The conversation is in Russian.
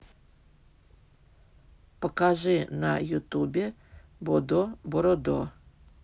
покажи на ютубе бодо бородо